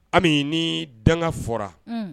Ami ni danga fɔra